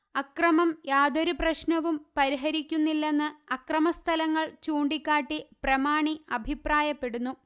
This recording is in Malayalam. അക്രമം യാതൊരു പ്രശ്നവും പരിഹരിക്കുന്നില്ലെന്ന് അക്രമ സ്ഥലങ്ങള് ചൂണ്ടിക്കാട്ടി പ്രമാണി അഭിപ്രായപ്പെടുന്നു